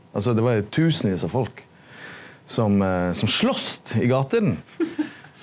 altso det var tusenvis av folk som som slåst i gatene.